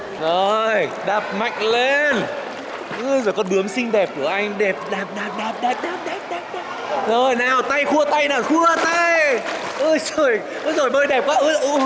rồi đạp mạnh lên úi dời con bướm xinh đẹp của anh đẹp đạp đạp đạp đạp đạp đạp đạp đạp rồi nào tay khua tay nào khua tay ui xời úi dời bơi đẹp quá úi